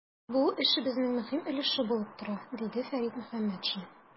Бу эшебезнең мөһим өлеше булып тора, - диде Фәрит Мөхәммәтшин.